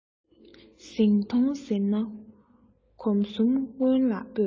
འཛིང ཐོངས ཟེར ན གོམ གསུམ སྔོན ལ སྤོས